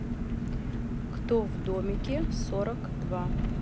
кто в домике сорок два